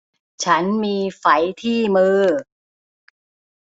ฉันมีไฝที่มือ